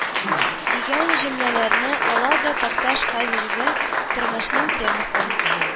Дигән җөмләләрне ала да «такташ хәзерге тормышның темасын,